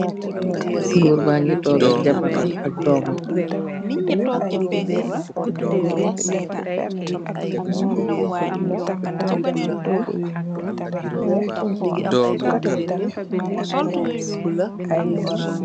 Gór bangi tóóg ak jabaram ak dóómam.